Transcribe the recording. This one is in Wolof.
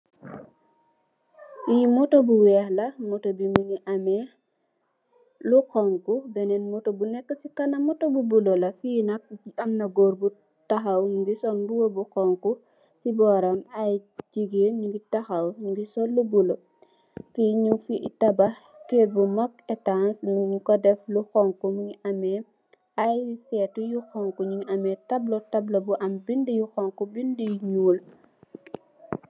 Lii moto bu weex la, moto bi mingi ame lu xonxu, beneen moto bu nekk si kanam, moto bu bula, fi nak am na goor gu tahaw, mingi sol mbuba bu xonxu, si booram ay jigeen nyingi tahaw, nyingi sol lu bula, fi nyun fi tabax ker bu magg etaas, nyun ko def lu xonxu, mingi ame ay seetu yu xonxu, nyingi ame tabla, tabla bu am bind bu xonxu, bind yu nyuul.